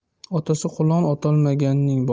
otasi qulon otolmaganning